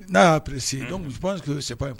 N'a y'aresi sep in ma